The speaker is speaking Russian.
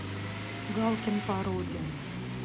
галкин пародия